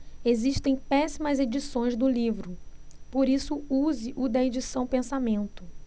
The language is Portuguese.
existem péssimas edições do livro por isso use o da edição pensamento